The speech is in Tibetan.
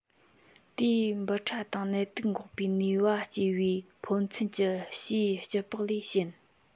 དེའི འབུ ཕྲ དང ནད དུག འགོག པའི ནུས པ སྐྱེས པའི ཕོ མཚན གྱི ཕྱིའི སྐྱི ལྤགས ལས ཞན